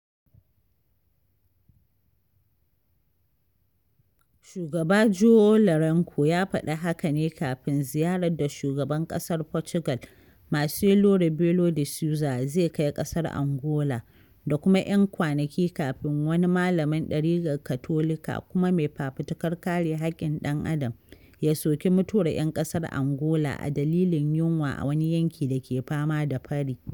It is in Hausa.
Shugaba João Lourenço ya faɗi haka ne kafin ziyarar da Shugaban ƙasar Fotugal, Marcelo Rebelo de Sousa zai kai ƙasar Angola, da kuma ‘yan kwanaki kafin wani malamin ɗariƙar Katolika kuma mai fafutukar kare haƙƙin ɗan adam ya soki mutuwar ‘yan ƙasar Angola a dalilin yunwa a wani yanki da ke fama da fari.